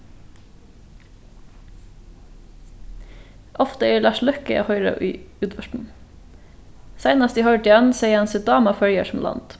ofta er lars løkke at hoyra í útvarpinum seinast eg hoyrdi hann segði hann seg dáma føroyar sum land